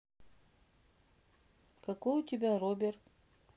какой у тебя робер